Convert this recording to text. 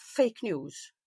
fake news